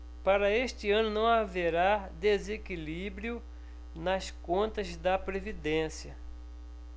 para este ano não haverá desequilíbrio nas contas da previdência